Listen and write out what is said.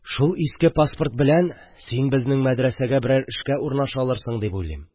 Шул иске паспорт белән син безнең мәдрәсәгә берәр эшкә урнаша алырсың дип уйлыйм.